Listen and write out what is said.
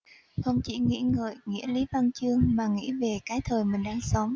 không chỉ nghĩ ngợi nghĩa lý văn chương mà nghĩ về cái thời mình đang sống